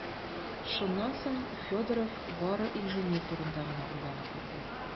Шуннан соң Федоров бары инженер турында гына уйланып йөрде.